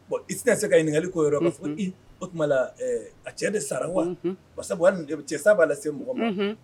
Bon i tɛna se ka ɲininkali ko yɔrɔ' fɔ o tuma a cɛ de sara wa cɛ saba b'a lase se mɔgɔ un